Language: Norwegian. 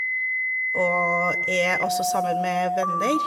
Og er også sammen med venner.